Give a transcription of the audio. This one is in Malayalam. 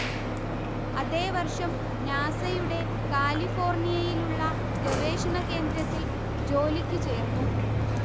അതേ വർഷം നാസയുടെ കാലിഫോർണിയയിലുള്ള ഗവേഷണ കേന്ദ്രത്തിൽ ജോലിക്കു ചേർന്നു